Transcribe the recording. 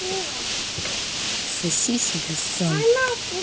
соси себе сам